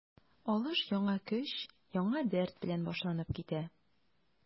Алыш яңа көч, яңа дәрт белән башланып китә.